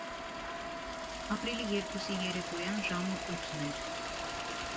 Ապրիլի երկուսի երեկոյան ժամը ութն էր։